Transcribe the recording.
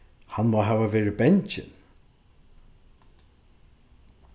hann má hava verið bangin